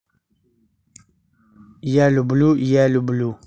я люблю я люблю